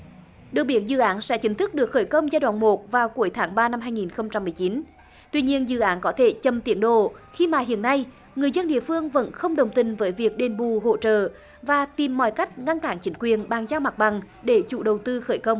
được biết dự án sẽ chính thức được khởi công giai đoạn một vào cuối tháng ba năm hai nghìn không trăm mười chín tuy nhiên dự án có thể chậm tiến độ khi mà hiện nay người dân địa phương vẫn không đồng tình với việc đền bù hỗ trợ và tìm mọi cách ngăn cản chính quyền bàn giao mặt bằng để chủ đầu tư khởi công